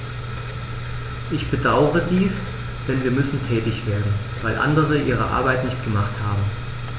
Ich bedauere dies, denn wir müssen tätig werden, weil andere ihre Arbeit nicht gemacht haben.